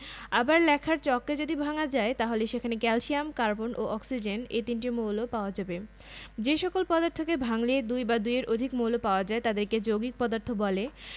helium calcium argon magnesium sulphur ইত্যাদি এ পর্যন্ত ১১৮টি মৌল আবিষ্কৃত হয়েছে এগুলোর মধ্যে ৯৮টি মৌল প্রকৃতিতে পাওয়া যায় বাকি মৌলগুলো গবেষণাগারে তৈরি করা হয়েছে